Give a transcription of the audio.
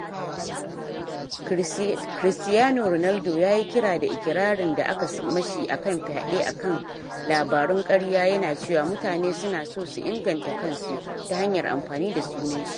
Cristiano Ronaldo yayi kira da ikirarin da aka mashi akan fyaɗe akan “labarun ƙarya”, yana cewa mutane “su na so su inganta kansu” ta hanyar amfani da sunan shi.